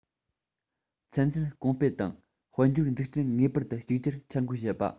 ཚན རྩལ གོང སྤེལ དང དཔལ འབྱོར འཛུགས སྐྲུན ངེས པར དུ གཅིག གྱུར འཆར འགོད བྱེད པ